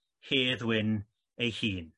Hedd Wyn ei hun.